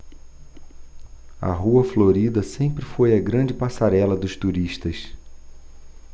a rua florida sempre foi a grande passarela dos turistas